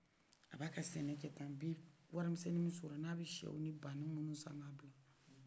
a b'a ka sɛnɛkɛ tan a b'i wari misɛnu minu sɔrɔ na be siɛ ni nbani minuz san ka bla